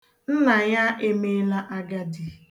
Nna ya emeela agadị.